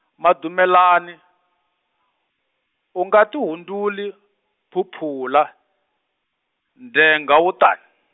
Madumelani, u nga tihundzuli, phuphula, ndzhengha wo tani.